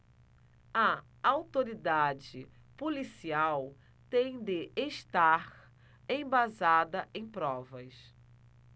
a autoridade policial tem de estar embasada em provas